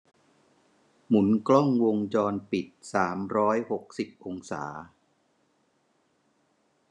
หมุนกล้องวงจรปิดสามร้อยหกสิบองศา